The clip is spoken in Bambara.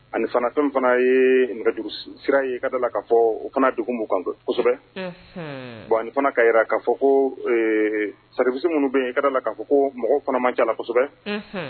Ani fana fɛn min fana yee nɛgɛjus sira ye i ka d'ala k'a fɔ u kosɛbɛ unhunnn wa ani fana ka yira k'a fɔ koo ee service minnu bɛ yen i ka d'ala ka fɔ ko mɔgɔw fana man c'a la kosɛbɛ